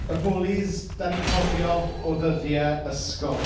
Y bwlis, dan ni'n cofio o ddyddiau ysgol.